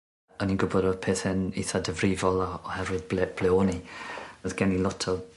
O'n i'n gwbod odd pethe'n itha difrifol ohe- oherwydd ble ble o'n i. Odd gen i lot o